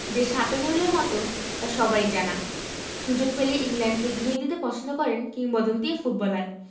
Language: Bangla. যে শাপে নেউলের মতো তা সবারই জানা সুযোগ পেলেই ইংল্যান্ডকে ধুয়ে দিতে পছন্দ করেন কিংবদন্তি এ ফুটবলার